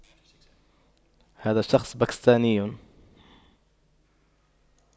هذا الشخص باكستاني